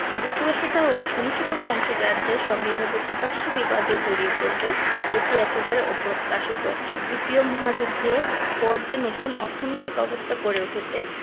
যুক্তরাষ্ট্র তার ঘনিষ্ঠতম অংশীদারদের সঙ্গে এভাবে প্রকাশ্যে বিবাদে জড়িয়ে পড়বে এটি একেবারে অপ্রত্যাশিত দ্বিতীয় মহাযুদ্ধের পর যে নতুন অর্থনৈতিক ব্যবস্থা গড়ে উঠেছে